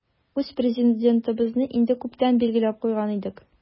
Үз Президентыбызны инде күптән билгеләп куйган идек.